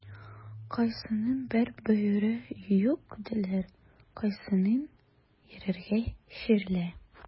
Кайсының бер бөере юк диләр, кайсының йөрәге чирле.